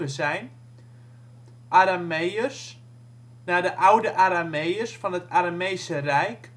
zijn: Arameeërs, naar de oude Arameeërs van het Aramese Rijk